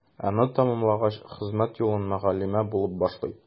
Аны тәмамлагач, хезмәт юлын мөгаллимә булып башлый.